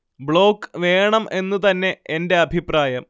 block വേണം എന്നു തന്നെ എന്റെ അഭിപ്രായം